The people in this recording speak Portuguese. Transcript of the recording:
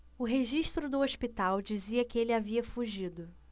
o registro do hospital dizia que ele havia fugido